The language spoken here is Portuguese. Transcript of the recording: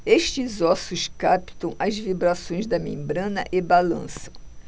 estes ossos captam as vibrações da membrana e balançam